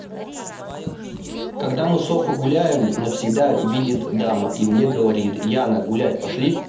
когда мы софы гуляем навсегда видит дама и мне говорит яна гулять пошли